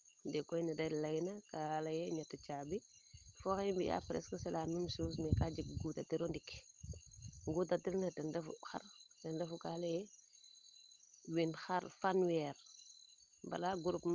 ndiiki koy neede leyna ka leye ñeti caabi fo oxe mbiya presque c' est la meme chose mais ka jeg guta tir o ndik bguta tir ne ten refu xar ten refu kaa leye wiin fanweer bala groupement